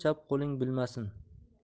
chap qo'ling bilmasin